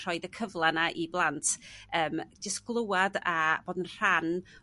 rhoid y cyfla 'na i blant yym jyst glwad a bod yn rhan